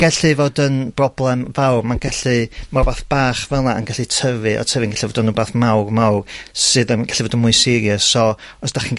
...gellu fod yn broblem fawr. Ma'n gellu, ma' wbath bach fel 'na yn gallu tyfu a tyfu yn gellu fod yn wbath mawr mawr, sydd yn gallu fod yn mwy serious, so os 'dach chi'n